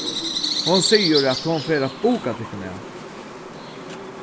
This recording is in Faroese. hon sigur at hon fer at buka tykkum av